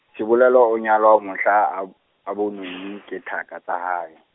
Sebolelo o nyalwa mohla a b-, a bonweng ke thaka tsa hae .